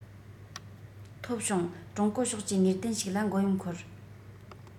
ཐོབ བྱུང ཀྲུང གོ ཕྱོགས ཀྱིས ནུས ལྡན ཞིག ལ མགོ ཡོམ འཁོར